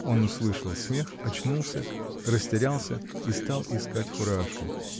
Он услыхал смех, очнулся, растерялся и стал искать фуражку.